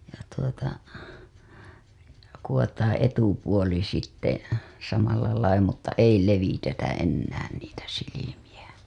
ja tuota kudotaan etupuoli sitten samalla lailla mutta ei levitetä enää niitä silmiä